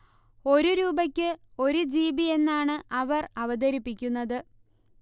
ഒരു രൂപയ്ക്ക് ഒരു ജിബിയെന്നാണ് അവർ അവതരിപ്പിക്കുന്നത്